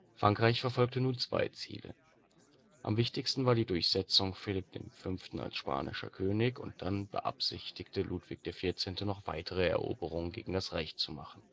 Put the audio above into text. Frankreich verfolgte nun zwei Ziele: am wichtigsten war die Durchsetzung Philipp V. als spanischer König und dann beabsichtigte Ludwig XIV. noch weitere Eroberungen gegen das Reich zu machen